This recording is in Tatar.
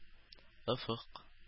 Офык